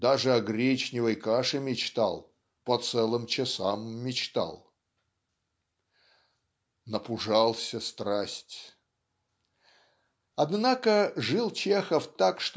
Даже о гречневой каше мечтал. По целым часам мечтал". "Напужался страсть. " Однако жил Чехов так